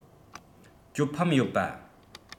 གྱོད ཕམ ཡོད པ